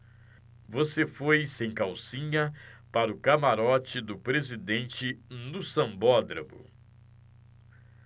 você foi sem calcinha para o camarote do presidente no sambódromo